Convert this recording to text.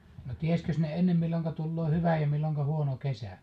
no tiesikös - ne ennen milloin tulee hyvä ja milloin huono kesä